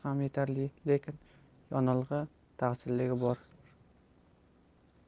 ham yetarli lekin yoqilg'i taqchilligi bor